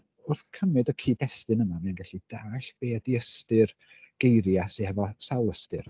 Wrth cymyd y cyd-destun yma, mae o'n gallu dallt be ydy ystyr geiriau sydd hefo sawl ystyr.